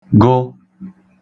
gụ